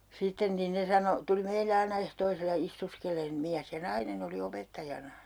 sitten niin ne sanoi tuli meille aina ehtoisella istuskelemaan mies ja nainen oli opettajana